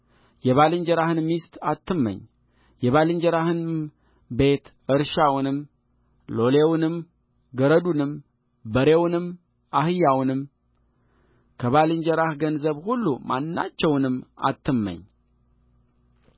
የባልጀራህን ሚስት አትመኝየባልንጀራህንም ቤት እርሻውንም ሎሌውንም ገረዱንም በሬውንም አህያውንም ከባልንጀራህ ገንዘብ ሁሉ ማናቸውንም አትመኝ